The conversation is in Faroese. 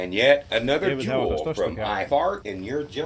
eg vil hava ta størstu kakuna